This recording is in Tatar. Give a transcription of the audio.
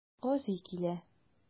Гази килә.